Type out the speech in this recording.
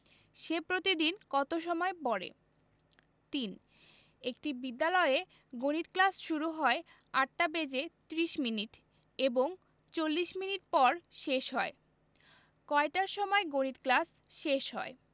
সে প্রতিদিন কত সময় পড়ে ৩ একটি বিদ্যালয়ে গণিত ক্লাস শুরু হয় ৮টা বেজে ৩০ মিনিট এবং ৪০ মিনিট পর শেষ হয় কয়টার সময় গণিত ক্লাস শেষ হয়